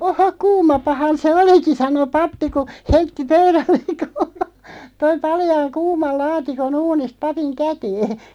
ohoh kuumapahan se olikin sanoi pappi kun heitti pöydälle - toi paljaan kuuman laatikon uunista papin käteen